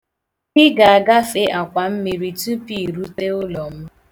Ị ga-agafe akwammiri tupu i rute ụlọ m.